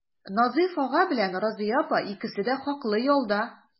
Назыйф ага белән Разыя апа икесе дә хаклы ялда.